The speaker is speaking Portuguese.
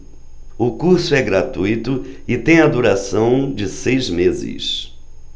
o curso é gratuito e tem a duração de seis meses